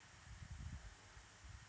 черный список на пятницу